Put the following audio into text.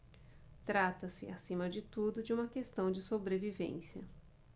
trata-se acima de tudo de uma questão de sobrevivência